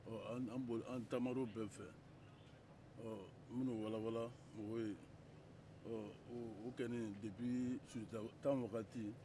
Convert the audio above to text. ɔ an taamana o bɛɛ fɛ an bɛ n'o walanwalan mɔgɔw ye ɔ o kɔni depuis sunjata temps waati